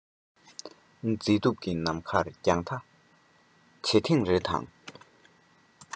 མཛེས སྡུག གི ནམ མཁའི རྒྱང ལྟ བྱེད ཐེངས རེ དང